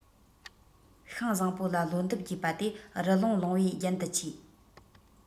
ཤིང བཟང པོ ལ ལོ འདབ རྒྱས པ དེ རི ཀླུང ལུང པའི རྒྱན དུ ཆེ